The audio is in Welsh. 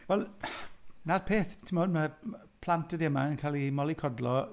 Wel dyna'r peth, tibod mae plant dyddiau yma yn cael eu molicodlo...